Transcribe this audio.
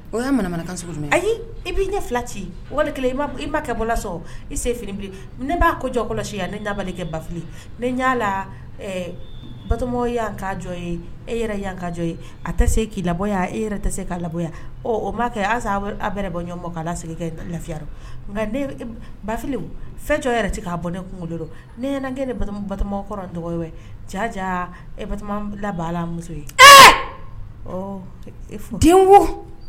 O y'manakan ayi i'i ɲɛ fila ci wali i ma kɛ bɔlasɔ i sen fini bilen ne b'a ko jɔ kɔlɔsisi yan ne nbali kɛ bafi ne yla ba yan ka jɔ e yɛrɛ yan kajɔ ye a tɛ se k'i laya e yɛrɛ tɛ se k'a labɔ o ma kɛ asa aw bɛ bɔ ɲɔgɔn ma k' segin ka lafiya nka bafi fɛncɛ yɛrɛ tɛ k'a bɔ ne kunkolo don ne ni ba kɔrɔ tɔgɔ ye jaaja e ba laban muso ye den